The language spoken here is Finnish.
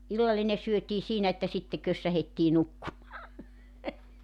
illallinen syötiin siinä että sitten kössähdettiin nukkumaan